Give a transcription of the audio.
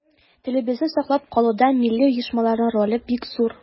Телебезне саклап калуда милли оешмаларның роле бик зур.